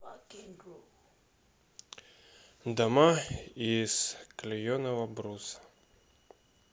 дома из клееного бруса